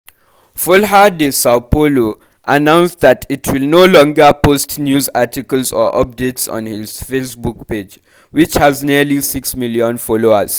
Folha de Sao Paulo announced that it will no longer post news articles or updates on its Facebook page, which has nearly six million followers.